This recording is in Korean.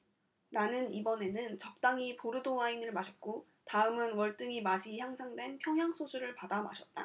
나는 이번에는 적당히 보르도 와인을 마셨고 다음은 월등히 맛이 향상된 평양 소주를 받아 마셨다